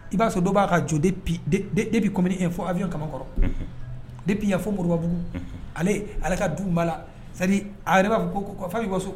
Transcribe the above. I b'a sɔrɔ dɔ b'a ka jo e bɛ kɔni e fɔ awy kama kɔrɔ ne'ɲɛ fɔ moribabugu ale ale ka du ma la sa a b'a fɔ ko ko fa' bɔ so